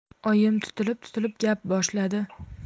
oyim tutilib tutilib gap boshladi